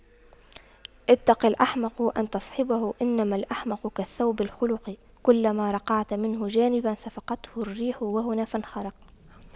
اتق الأحمق أن تصحبه إنما الأحمق كالثوب الخلق كلما رقعت منه جانبا صفقته الريح وهنا فانخرق